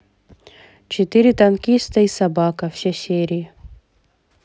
четыре танкиста и собака все серии